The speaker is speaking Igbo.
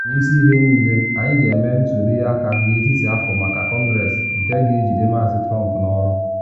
N’isi ihe niile, anyị ga-eme ntuli aka n’etiti afọ maka Kọngress nke ga-ejide Maazị Trump n’ọrụ?